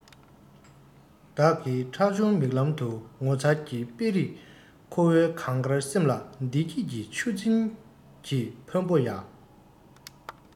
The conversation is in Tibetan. བདག གི ཁྲ ཆུང མིག ལམ དུ ངོ མཚར གྱི དཔེ རིས ཁོ བོའི གངས དཀར སེམས ལ བདེ སྐྱིད ཀྱི ཆུ འཛིན གྱི ཕོན པོ ཡ